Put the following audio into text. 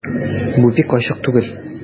Бу бик ачык түгел...